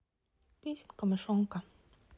песенка мышонка